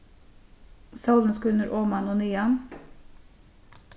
sólin skínur oman og niðan